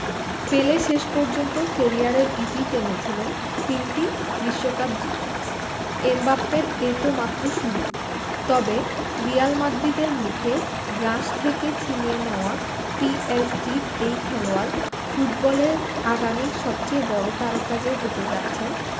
পেলে শেষ পর্যন্ত ক্যারিয়ারের ইতি টেনেছিলেন তিনটি বিশ্বকাপ জিতে এমবাপ্পের এ তো মাত্রই শুরু তবে রিয়াল মাদ্রিদের মুখে গ্রাস থেকে ছিনিয়ে নেওয়া পিএসজির এই খেলোয়াড় ফুটবলে আগামীর সবচেয়ে বড় তারকা যে হতে যাচ্ছেন